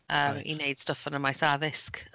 Yym i wneud stwff yn y maes addysg